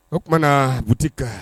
O tumaumana buti ka